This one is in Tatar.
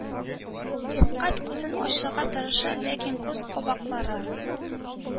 Рифкать күзен ачарга тырыша, ләкин күз кабаклары